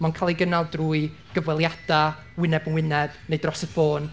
Mae'n cael ei gynnal drwy gyfweliadau, wyneb yn wyneb, neu dros y ffôn.